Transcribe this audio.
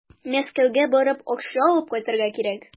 Мәскәүгә барып, акча алып кайтырга кирәк.